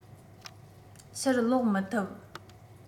ཕྱིར ལོག མི ཐུབ